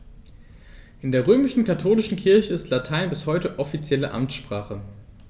In der römisch-katholischen Kirche ist Latein bis heute offizielle Amtssprache.